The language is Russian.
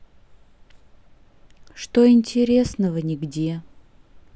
что интересного нигде